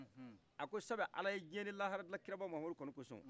a ko sabu alaye jiɲɛ ni lahara da alakira muamadu kanu kosɔ